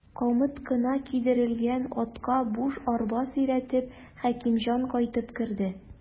Камыт кына кидерелгән атка буш арба сөйрәтеп, Хәкимҗан кайтып керде.